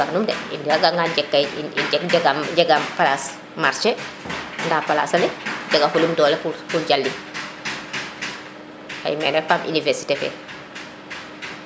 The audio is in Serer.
buga num de um waga ngano jeg kay im jegaan place marcher nda place ale jega fulim dole pour jalin xey meke paam université fe